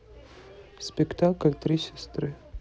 спектакль три сестры